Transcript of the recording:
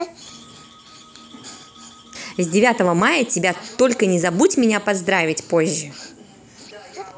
с девятого мая тебя только не забудь меня поздравить позже